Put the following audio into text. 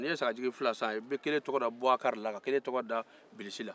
ni i ye sagajigi fila san i bɛ kelen tɔgɔ da bilisi la ka kelen tɔgɔ da bubakari la